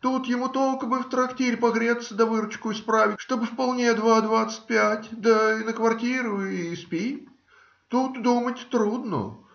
Тут ему только бы в трактире погреться да выручку исправить, чтобы вполне два двадцать пять, да на квартиру и спи. Тут думать трудно.